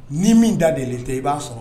Ni min da deli tɛ i b'a sɔrɔ